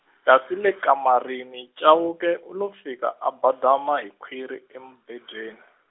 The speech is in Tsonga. kasi le kamarini Chauke u lo fika a badama hi khwiri emubedweni.